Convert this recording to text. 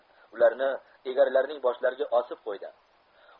ularni egarlarning boshlariga osib qo'ydi